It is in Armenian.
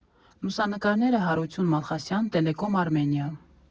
Լուսանկարները՝ Հարություն Մալխասյան, «Տելեկոմ Արմենիա»